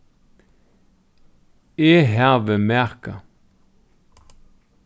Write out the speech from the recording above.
eg havi maka